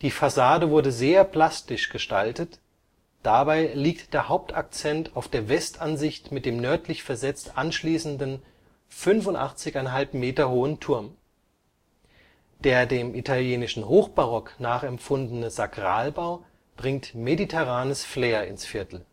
Fassade wurde sehr plastisch gestaltet, dabei liegt der Hauptakzent auf der Westansicht mit dem nördlich versetzt anschließenden, 85,50 Meter hohen Turm. Der dem italienischen Hochbarock nachempfundene Sakralbau bringt mediterranes Flair ins Viertel